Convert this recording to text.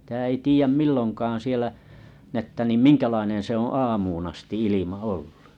sitä ei tiedä milloinkaan siellä niin että niin minkälainen se on aamuun asti ilma olla